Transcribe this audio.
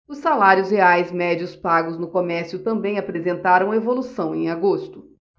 os salários reais médios pagos no comércio também apresentaram evolução em agosto